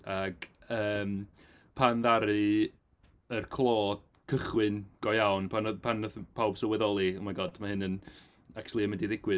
Ac yym pan ddaru yr clo cychwyn go iawn, pan oedd pan wnaeth pawb sylweddoli Oh my God mae hyn yn acshyli yn mynd i ddigwydd.